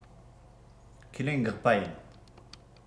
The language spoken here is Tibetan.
ཁས ལེན འགག པ ཡིན